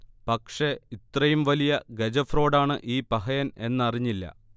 പക്ഷേ ഇത്രയും വലിയ ഗജഫ്രോഡാണ് ഈ പഹയൻ എന്നറിഞ്ഞില്ല